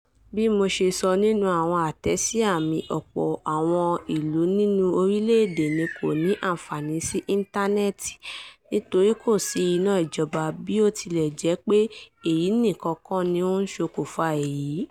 Bí mo ṣe sọ nínú àwọn àtẹ̀síta mi [Fr], ọ̀pọ̀ àwọn ìlú ní orílẹ̀ èdè ní kò ní àńfààní sí íntànẹ́ẹ̀tí nítorí kò sí ìná ìjọba, bí ó tilẹ̀ jẹ́ pé èyí nìkan kọ́ ní ó ń ṣokùnfa èyí.